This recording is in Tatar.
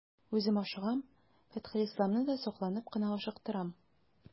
Үзем ашыгам, Фәтхелисламны да сакланып кына ашыктырам.